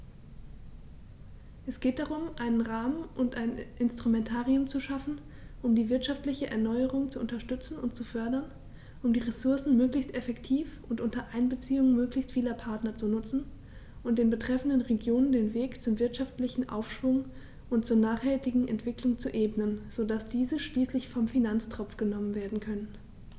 Es geht darum, einen Rahmen und ein Instrumentarium zu schaffen, um die wirtschaftliche Erneuerung zu unterstützen und zu fördern, um die Ressourcen möglichst effektiv und unter Einbeziehung möglichst vieler Partner zu nutzen und den betreffenden Regionen den Weg zum wirtschaftlichen Aufschwung und zur nachhaltigen Entwicklung zu ebnen, so dass diese schließlich vom Finanztropf genommen werden können.